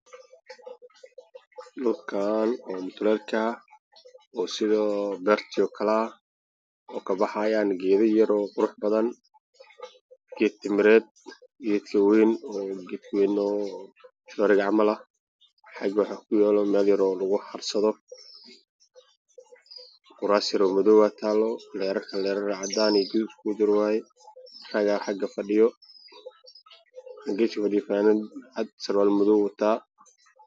Waa beer waxaa ka baxaya geedo qurux leer ayaa ka daraan Dhulka waa caadan